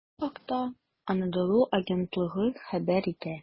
Бу хакта "Анадолу" агентлыгы хәбәр итә.